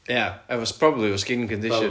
ia efo s- probably efo skin condition